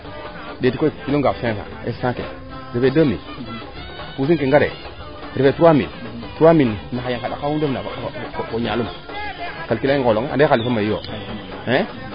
ndeetinkoy kilo ngaaf cinq cent refe deux mille pursiin ke ngare re trois mille trois mille naxa yeng xa ɗak oxu ref na fo ñaalum calculer i ngoolo nge ande xalis fa mayu yoo